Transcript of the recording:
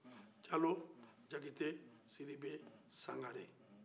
jalo jakite sidibe sangare